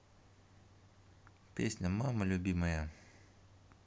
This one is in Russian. песня мама любимая